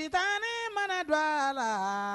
I taa ne mana don a la